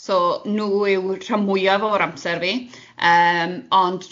So nhw yw'r rhan mwyaf o'r amser fi yym ond